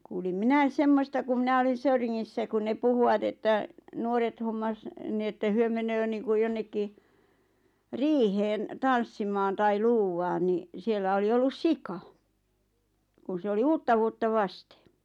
kuulin minä semmoista kun minä olin Söyringissä kun ne puhuvat että nuoret hommasi niin että he menee niin kuin jonnekin riiheen tanssimaan tai luuvaan niin siellä oli ollut sika kun se oli uutta vuotta vasten